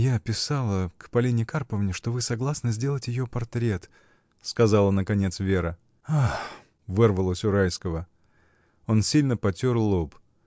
— Я писала к Полине Карповне, что вы согласны сделать ее портрет, — сказала наконец Вера. — Ах! — вырвалось у Райского. Он сильно потер лоб.